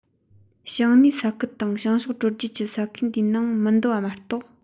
བྱང སྣེའི ས ཁུལ དང བྱང ཕྱོགས དྲོད རྒྱུད ཀྱི ས ཁུལ འདིའི ནང མི འདུ བ མ གཏོགས